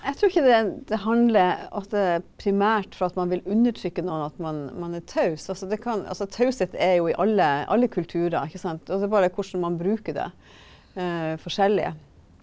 jeg trur ikke det det handler at det er primært for at man vil undertrykke noen, at man man er taus, altså det kan altså taushet er jo i alle alle kulturer ikke sant også bare hvordan man bruker det forskjellig.